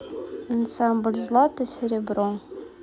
ансамбль злато серебро